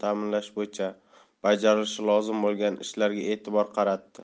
ta'minlash bo'yicha bajarilishi lozim bo'lgan ishlarga e'tibor qaratdi